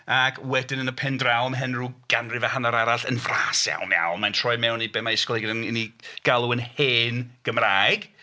Ac wedyn yn y pen draw ymhen ryw ganrif a hanner arall yn fras iawn iawn mae'n troi mewn i be mae ysgolheigion yn yn ei galw'n hen Gymraeg.